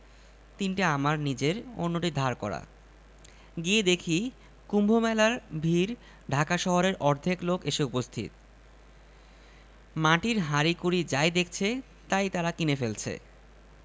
মেজো মেয়ে তার আইসক্রিম আমার দিকে বাড়িয়ে বলল এক কামড় খাও বাবা আমি খেলাম এক কামড় একজন যা করে অন্য সবারও তাই করা চাই কাজেই অন্য সবাইও আইসক্রিম বাড়িয়ে ধরতে লাগিল আমার দিকে